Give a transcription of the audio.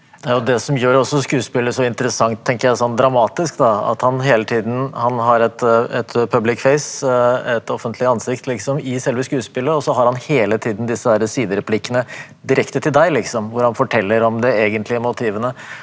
det er jo det som gjør også skuespillet så interessant tenker jeg sånn dramatisk da at han hele tiden han har et et et offentlig ansikt liksom i selve skuespillet og så har han hele tiden disse herre sidereplikkene direkte til deg liksom hvor han forteller om det egentlige motivene.